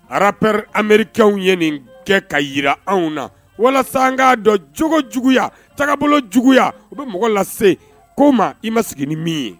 Rapeurs américains w ye nin kɛ k'a jira anw na, walasa an dɔn jogo juguya, tagabolo juguya, o bɛ mɔgɔ lase ko ma k'a sɔrɔ i ma sigi ni min ye.